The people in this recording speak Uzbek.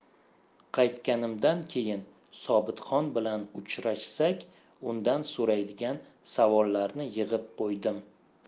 qaytganimdan keyin sobitxon bilan uchrashsak undan so'raydigan savollarni yig'ib qo'ydim